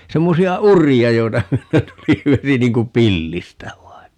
semmoisia uria joita myöten tuli vesi niin kuin pillistä vain niin